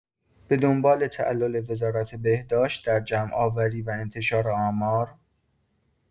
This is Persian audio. به دنبال تعلل وزارت بهداشت در جمع‌آوری و انتشار آمار